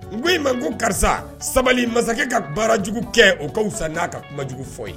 N ko in ma ko karisa sabali masakɛ ka baarajugu kɛ o k ka san n'a ka kumajugu fɔ ye